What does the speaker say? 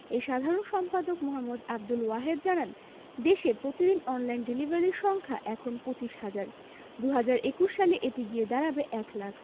এর সাধারণ সম্পাদক মো. আবদুল ওয়াহেদ জানান দেশে প্রতিদিন অনলাইন ডেলিভারি সংখ্যা এখন ২৫ হাজার ২০২১ সালে এটি গিয়ে দাঁড়াবে ১ লাখ